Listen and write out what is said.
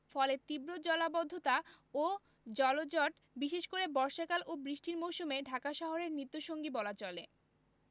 ফলে তীব্র জলাবদ্ধতা ও জলজট বিশেষ করে বর্ষাকাল ও বৃষ্টির মৌসুমে ঢাকা শহরের নিত্যসঙ্গী বলা চলে